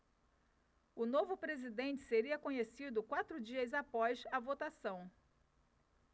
o novo presidente seria conhecido quatro dias após a votação